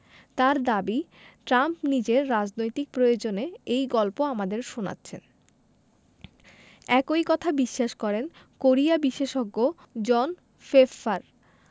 তাঁর দাবি ট্রাম্প নিজের রাজনৈতিক প্রয়োজনে এই গল্প আমাদের শোনাচ্ছেন একই কথা বিশ্বাস করেন কোরিয়া বিশেষজ্ঞ জন ফেফফার